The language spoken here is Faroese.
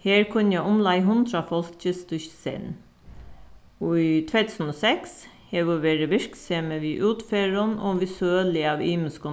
her kunna umleið hundrað fólk gista í senn í tvey túsund og seks hevur verið virksemi við útferðum og við sølu av ymiskum